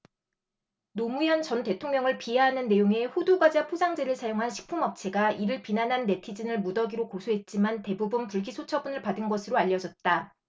노무현 전 대통령을 비하하는 내용의 호두과자 포장재를 사용한 식품업체가 이를 비난한 네티즌을 무더기로 고소했지만 대부분 불기소 처분을 받은 것으로 알려졌다